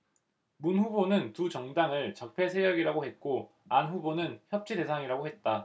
문 후보는 두 정당을 적폐 세력이라고 했고 안 후보는 협치 대상이라고 했다